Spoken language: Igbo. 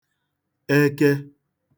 eke